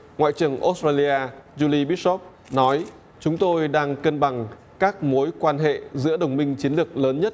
ngoại trưởng ốt trây li a du li bít sóp nói chúng tôi đang cân bằng các mối quan hệ giữa đồng minh chiến lược lớn nhất